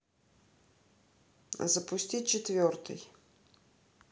запусти четвертый